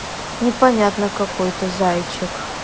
непонятно какой то зайчик